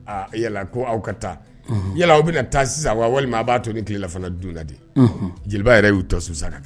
Ɔ yala ko aw ka taa, unhun, yala aw bɛna taa sisan wa? Walima a b'a to ni tile la fana dunna de, unhun, jeliba yɛrɛ y'u tɔ susa